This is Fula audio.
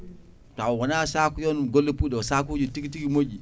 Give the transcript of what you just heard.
taw wona sakuyon bolle puyɗo o sakuji tigui tigui moƴƴi